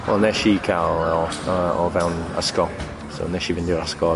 Wel nesh i ca'l e o yy o fewn ysgol, so nesh i fynd i'r ysgol